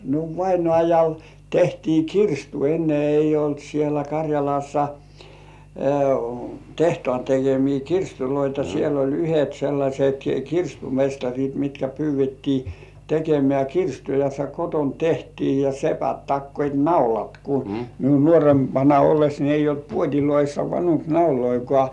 no vainajalle tehtiin kirstu ennen ei ollut siellä Karjalassa tehtaan tekemiä kirstuja siellä oli yhdet sellaiset kirstumestarit mitkä pyydettiin tekemään kirstua ja se kotona tehtiin ja sepät takoivat naulat kun minun nuorempana ollessa niin ei ollut puodeissa vanunkinauloja